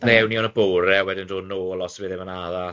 Ne' ewn ni yn y bore a wedyn dod nol os fydd ddim yn addas